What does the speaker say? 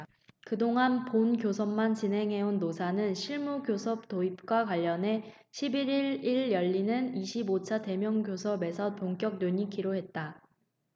그 동안 본교섭만 진행해온 노사는 실무교섭 도입과 관련해 십 일 일 열리는 이십 오 차 대면교섭에서 본격 논의키로 했다